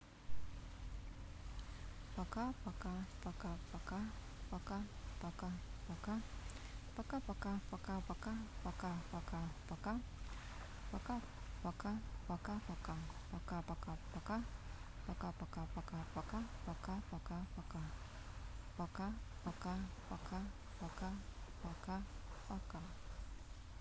пока пока пока пока пока пока пока пока пока пока пока пока пока пока пока пока пока пока пока пока пока пока пока пока пока пока пока пока пока пока пока пока пока пока